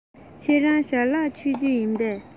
ཁྱེད རང ཞལ ལག མཆོད རྒྱུ བཟའ རྒྱུ ཡིན པས